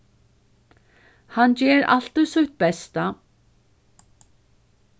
hann ger altíð sítt besta